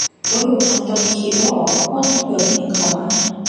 บ่รู้นะ ตอนนี้คิดบ่ออกว่าควรต้องเพิ่มอิหยังเข้ามา